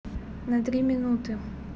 на три минуты